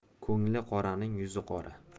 ko'ngli qoraning yuzi qora